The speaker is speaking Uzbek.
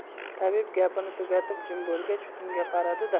tabib gapini tugatib jim bo'lgach unga qaradi da